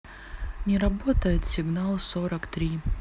не работает сигнал сорок три